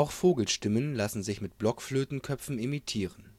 Vogelstimmen lassen sich mit Blockflötenköpfen imitieren